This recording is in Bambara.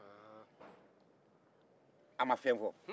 a ma fɛn fɔ